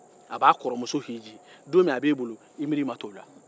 a b'a kɔrɔmuso hiji e miiri ma t'o la don min a tun bɛ e bolo